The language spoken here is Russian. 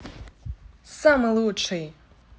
самый лучший